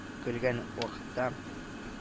Көлгән вакытта